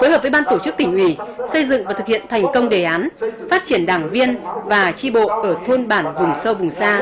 phối hợp với ban tổ chức tỉnh ủy xây dựng và thực hiện thành công đề án phát triển đảng viên và chi bộ ở thôn bản vùng sâu vùng xa